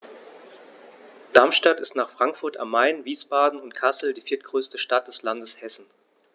Darmstadt ist nach Frankfurt am Main, Wiesbaden und Kassel die viertgrößte Stadt des Landes Hessen